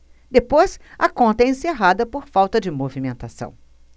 depois a conta é encerrada por falta de movimentação